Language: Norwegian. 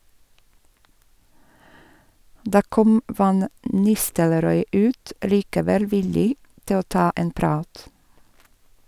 Da kom van Nistelrooy ut, likevel villig til å ta en prat.